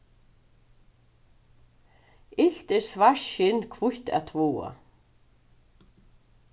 ilt er svart skinn hvítt at tváa